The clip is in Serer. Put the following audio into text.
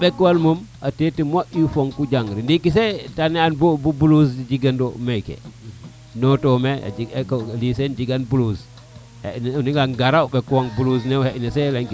a ɓekwan te te moƴ u foku jangre ndeiki sax a tane an bo blouse jegandor meke noto mene a jengan lycée jegan blouse laƴnum gara o ɓekwan blouse